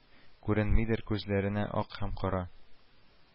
Күренмидер күзләренә ак һәм кара